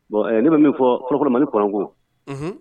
Bon ne bɛ min fɔorokɔrɔma neuranko